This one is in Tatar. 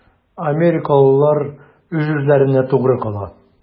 Америкалылар үз-үзләренә тугры кала.